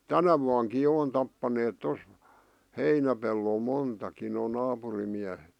tänä vuonnakin jo on tappaneet tuossa heinäpellolla montakin nuo naapurin miehet